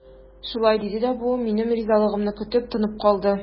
Шулай диде дә бу, минем ризалыгымны көтеп, тынып калды.